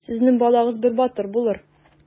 Сезнең балагыз бер батыр булыр.